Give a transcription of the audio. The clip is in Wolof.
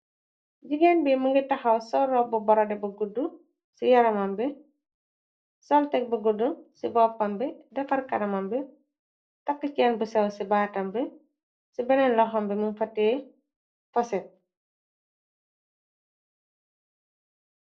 Jigeen bi mëngi taxaw sol robu borode ba gudd ci yaramam bi solteg ba gudd ci boppam bi defar karamam bi takk cenn bu sew ci baatam bi ci beneen loxambi muñ fa teyeh poset.